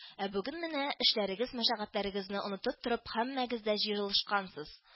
Ә бүген менә, эшләрегез-мәшәкатьләрегезне онытып торып һәммәгез дә җыелышкансыз